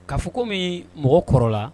'a fɔko min mɔgɔ kɔrɔ la